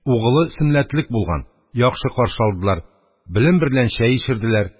Угылы сөннәтлек булган, яхшы каршы алдылар, белен берлән чәй эчерделәр